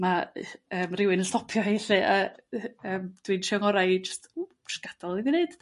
ma' h- yrr rywun yn stopio hi 'lly yrr h- yrm dwi'n trio 'ngorau i jyst w jys' gada'l iddi 'neud.